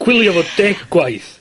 ...gwylio fo deg gwaith.